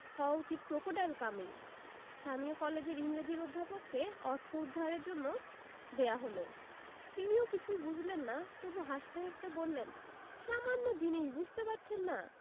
হওয়া উচিত crocodile coming. স্থানীয় কলেজের ইংরেজীর অধ্যাপককে অর্থ উদ্ধারের জন্য দেয়া হল তিনিও কিছুই বুঝলেন না তবু হাসতে হাসতে বললেন সামান্য জিনিস বুঝতে পারছেন না